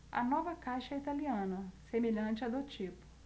a nova caixa é italiana semelhante à do tipo